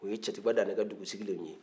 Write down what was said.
o ye tiɲɛtigiba dantɛ ka dugu sigilenw ye